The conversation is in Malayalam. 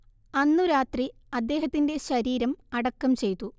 അന്നു രാത്രി അദ്ദേഹത്തിന്റെ ശരീരം അടക്കം ചെയ്തു